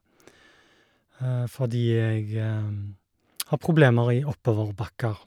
Fordi jeg har problemer i oppoverbakker.